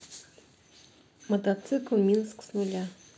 мотоцикл минск с нуля